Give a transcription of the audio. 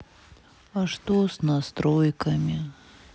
а что с настройками